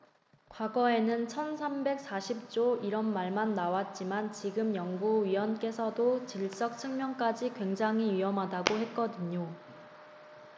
과거에는 천 삼백 사십 조 이런 말만 나왔지만 지금 연구위원께서도 질적 측면까지 굉장히 위험하다고 했거든요